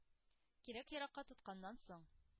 Кирәк-яракка тотканнан соң,